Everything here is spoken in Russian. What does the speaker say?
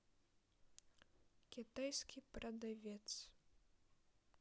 китайский продавец